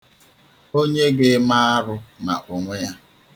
Onye ga-eme arụ ma onwe ya.